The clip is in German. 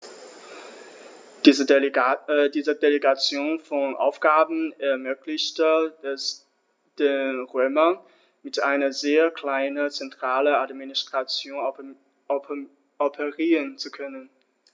Diese Delegation von Aufgaben ermöglichte es den Römern, mit einer sehr kleinen zentralen Administration operieren zu können.